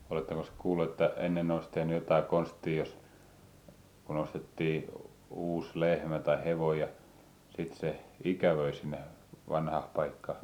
olettekos kuullut että ennen olisi tehnyt jotakin konstia jos kun ostettiin - uusi lehmä tai hevonen ja sitten se ikävöi sinne vanhaan paikkaan